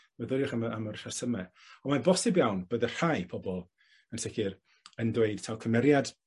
meddyliwch am y am yr rhesyme. Ond mae'n bosib iawn bydde rhai pobol yn sicir yn dweud taw cymeriad